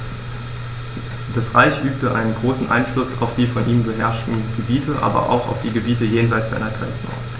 Das Reich übte einen großen Einfluss auf die von ihm beherrschten Gebiete, aber auch auf die Gebiete jenseits seiner Grenzen aus.